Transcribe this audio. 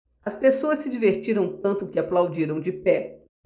as pessoas se divertiram tanto que aplaudiram de pé